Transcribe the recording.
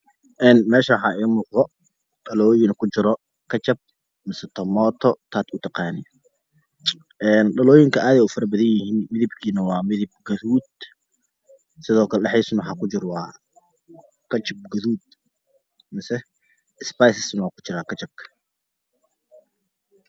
Een meeshaan waxaa ii muuqda dhalooyin ku jira kajab mise tomoto taa utaqaanid een dhalooyinka aad ayey u faro badn yihiin midinkana waa midab gaduud sidoo kale dhexdiisana waxaa ku jira waa kajab gaduud mise isbaysna waa ku jiraa kajabka